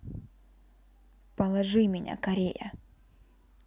положи меня корея